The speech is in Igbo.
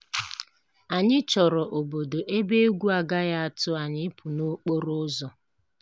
Anyị chọrọ obodo ebe égwù agaghị atụ anyị ịpụ n'okporo ụzọ!